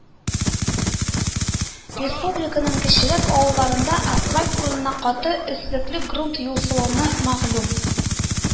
Республиканың кечерәк авылларында асфальт урынына каты өслекле грунт юл салынуы мәгълүм